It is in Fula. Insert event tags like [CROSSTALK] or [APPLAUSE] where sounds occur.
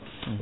[HESITATION] [HESITATION]